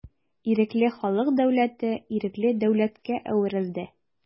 Ирекле халык дәүләте ирекле дәүләткә әверелде.